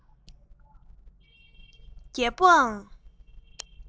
རྒྱལ པོའང